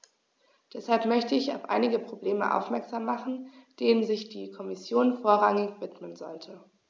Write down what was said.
Deshalb möchte ich auf einige Probleme aufmerksam machen, denen sich die Kommission vorrangig widmen sollte.